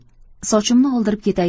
sochimni oldirib ketayin